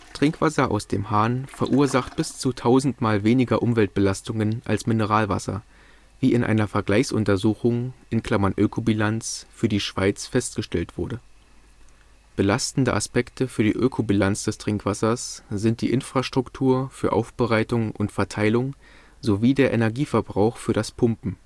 Trinkwasser aus dem Hahn verursacht bis zu tausendmal weniger Umweltbelastungen als Mineralwasser, wie in einer Vergleichsuntersuchung (Ökobilanz) für die Schweiz festgestellt wurde. Belastende Aspekte für die Ökobilanz des Trinkwassers sind die Infrastruktur für Aufbereitung und Verteilung sowie der Energieverbrauch für das Pumpen